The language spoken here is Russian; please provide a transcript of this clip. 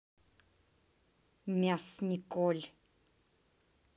мяс николь